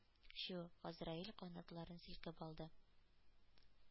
Чү! Газраил канатларын селкеп алды,